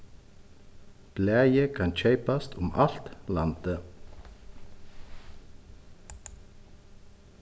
blaðið kann keypast um alt landið